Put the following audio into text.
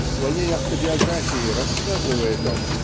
В своей автобиографии рассказывает он